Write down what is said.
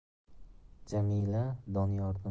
jamila doniyorni mah